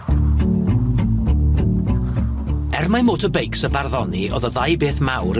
Er mai motor beics a barddoni o'dd y ddau beth mawr